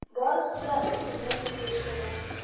Барысы да үзеннән-үзе эшләнә.